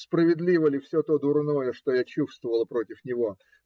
Справедливо ли все то дурное, что я чувствовала против него?